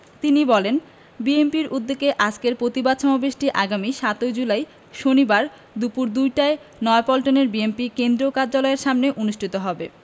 তিনি বলেন বিএনপির উদ্যোগে আজকের পতিবাদ সমাবেশটি আগামী ৭ জুলাই শনিবার দুপুর দুইটায় নয়াপল্টনের বিএনপি কেন্দ্রীয় কার্যালয়ের সামনে অনুষ্ঠিত হবে